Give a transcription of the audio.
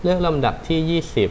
เลือกลำดับที่ยี่สิบ